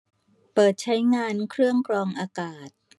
เปิดใช้งานเครื่องกรองอากาศ